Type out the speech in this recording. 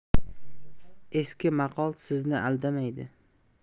eski maqol sizni aldamaydi